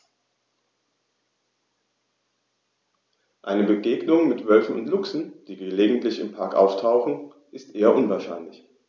Eine Begegnung mit Wölfen oder Luchsen, die gelegentlich im Park auftauchen, ist eher unwahrscheinlich.